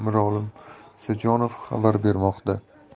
mirolim isajonov xabar bermoqda